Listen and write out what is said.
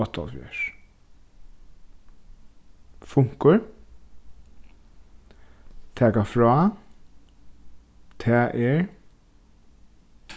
áttaoghálvfjerðs funkur taka frá tað er